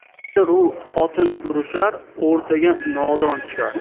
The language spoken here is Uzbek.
er u xotin urushar o'rtaga nodon tushar